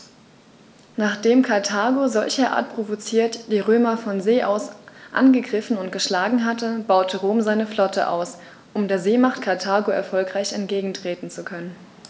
Nachdem Karthago, solcherart provoziert, die Römer von See aus angegriffen und geschlagen hatte, baute Rom seine Flotte aus, um der Seemacht Karthago erfolgreich entgegentreten zu können.